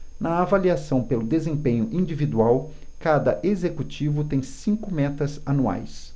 na avaliação pelo desempenho individual cada executivo tem cinco metas anuais